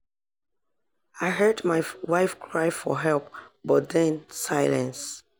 "I heard my wife cry for help, but then silence.